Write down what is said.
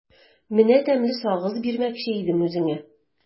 Менә тәмле сагыз бирмәкче идем үзеңә.